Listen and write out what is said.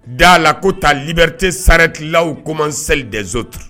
Da la ko taa librite saretilaw komans desonotu